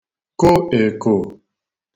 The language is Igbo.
ko èkò